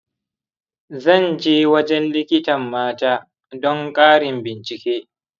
zan je wajen likitan mata don ƙarin bincike.